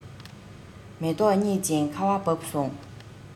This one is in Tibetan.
མེ ཏོག རྙིད ཅིང ཁ བ བབས སོང